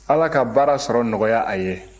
ala ka baara sɔrɔ nɔgɔya a ye